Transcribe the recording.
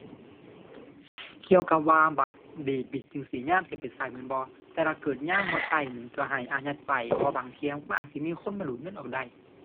เกี่ยวกับว่าบัตรเดบิตจั่งซี้ยามสิไปใช้แม่นบ่ แต่ถ้าเกิดยามบ่ใช้นี้ ใช้ให้อายัดไป เพราะว่าบางเที่ยมันอาจสิมีคนมาดูดเงินออกได้